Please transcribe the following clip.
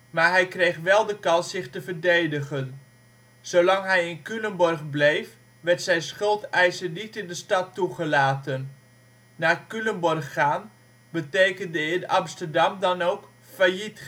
Maar hij kreeg wel de kans zich te verdedigen. Zolang hij in Culemborg verbleef, werd zijn schuldeiser niet in de stad toegelaten. " Naar Culemborg gaan " betekende in Amsterdam dan ook failliet gaan